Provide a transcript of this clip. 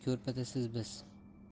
ko'rpada siz biz